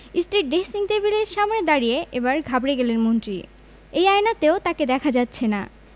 স্ত্রীর ড্রেসিং টেবিলের সামনে দাঁড়িয়ে এবার ঘাবড়ে গেলেন মন্ত্রী এই আয়নাতেও তাঁকে দেখা যাচ্ছে না